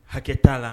Hakɛ t'a la